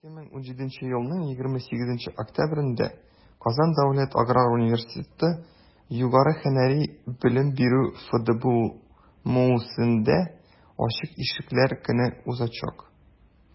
2017 елның 28 октябрендә «казан дәүләт аграр университеты» югары һөнәри белем бирү фдбмусендә ачык ишекләр көне узачак.